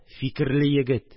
Фикерле егет